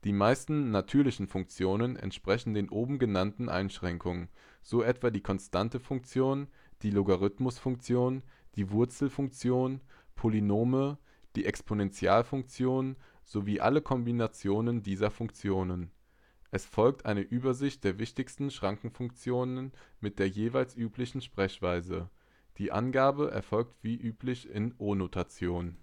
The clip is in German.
meisten „ natürlichen “Funktionen entsprechen den oben genannten Einschränkungen, so etwa die konstante Funktion, die Logarithmusfunktion, die Wurzelfunktion, Polynome, die Exponentialfunktion sowie alle Kombinationen dieser Funktionen. Es folgt eine Übersicht der wichtigsten Schrankenfunktionen mit der jeweils üblichen Sprechweise. Die Angabe erfolgt wie üblich in O-Notation